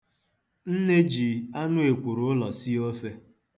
Nne ji anụ ekwurụụlọ sie ofe.